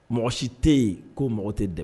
Mɔgɔsi tɛ ye ko mɔgɔ tɛ dɛ